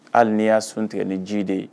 Hali n'i y'a sun tigɛ ni ji de ye